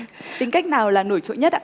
tính cách nào là nổi trội nhất ạ